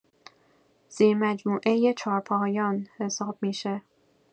زیرمجموعه چهارپایان حساب می‌شه